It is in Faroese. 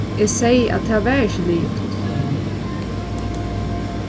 eg segði at tað var ikki liðugt